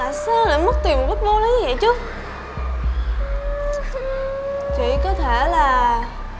tại sao lại mất tiền một cách vô lý như vậy chứ chỉ có thể là